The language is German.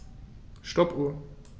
Stoppuhr.